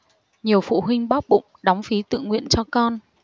nhiều phụ huynh bóp bụng đóng phí tự nguyện cho con